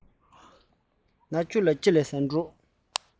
ནག ཆུར ག རེ གནང བར ཕེབས ཀ